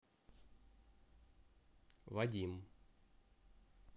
вадим